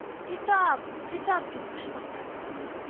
— титап! титап! — дип кычкырды